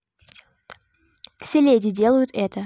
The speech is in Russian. все леди делают это